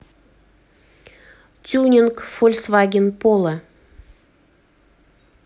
тюнинг фольксваген поло